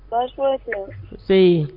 Seyi